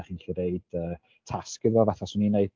Dach chi'n gallu roid yy tasg iddo fo fatha 'swn i'n wneud.